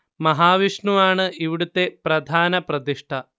മഹാവിഷ്ണു ആണ് ഇവിടത്തെ പ്രധാന പ്രതിഷ്ഠ